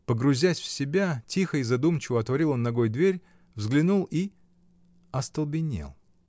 Погрузясь в себя, тихо и задумчиво отворил он ногой дверь, взглянул и. остолбенел.